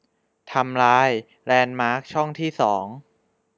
ทำลายแลนด์มาร์คช่องที่สอง